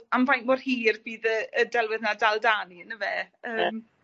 am faint mor hir bydd y y delwedd 'na dal 'da ni on' yfe? Yym.